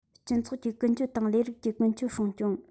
སྤྱི ཚོགས ཀྱི ཀུན སྤྱོད དང ལས རིགས ཀྱི ཀུན སྤྱོད སྲུང སྐྱོང